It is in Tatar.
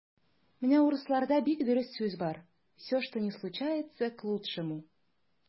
Менә урысларда бик дөрес сүз бар: "все, что ни случается - к лучшему".